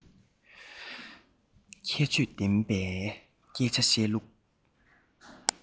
ཁྱད ཆོས ལྡན པའི སྐད ཆ བཤད ལུགས